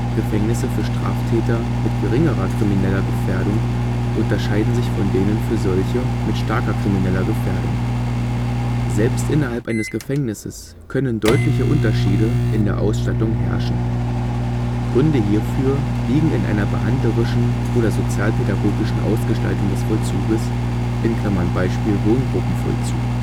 Gefängnisse für Straftäter mit geringerer krimineller Gefährdung unterscheiden sich von denen für solche mit starker krimineller Gefährdung. Selbst innerhalb eines Gefängnisses können deutliche Unterschiede in der Ausstattung herrschen. Gründe hierfür liegen in einer behandlerischen oder sozialpädagogischen Ausgestaltung des Vollzuges (Beispiel Wohngruppenvollzug